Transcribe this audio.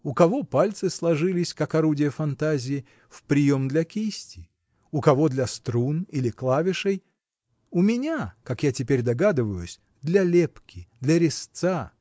У кого пальцы сложились, как орудие фантазии, в прием для кисти, у кого для струн или клавишей, у меня — как я теперь догадываюсь — для лепки, для резца.